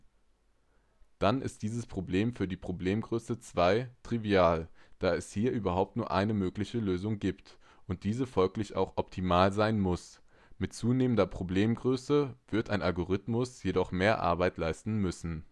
Dann ist dieses Problem für die Problemgröße 2 trivial, da es hier überhaupt nur eine mögliche Lösung gibt und diese folglich auch optimal sein muss. Mit zunehmender Problemgröße wird ein Algorithmus jedoch mehr Arbeit leisten müssen